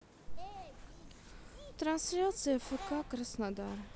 трансляция фк краснодар